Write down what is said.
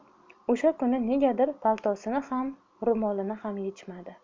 o'sha kuni negadir paltosini ham ro'molini ham yechmadi